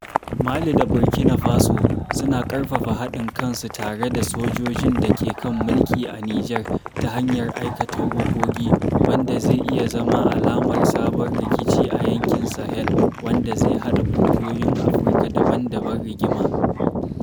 Mali da Burkina Faso suna ƙarfafa haɗin kansu tare da sojojin da ke kan mulki a Nijar ta hanyar aika tawagogi, wanda zai iya zama alamar sabon rikici a yankin Sahel wanda zai haɗa ƙungiyoyin Afirka daban-daban rigima.